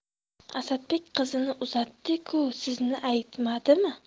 asadbek qizini uzatdi ku sizni aytmadimi